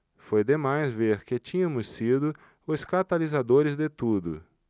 foi demais ver que tínhamos sido os catalisadores de tudo